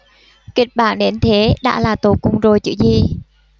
kịch bản đến thế đã là tột cùng rồi chứ gì